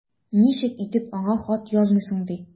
Ничек итеп аңа хат язмыйсың ди!